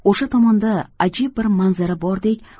o'sha tomonda ajib bir manzara bordek